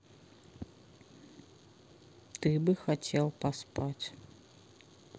ты бы хотел поспать